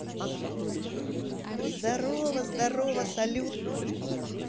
здорово здорово салют